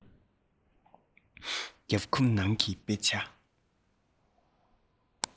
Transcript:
རྒྱབ ཁུག ནང གི དཔེ ཆ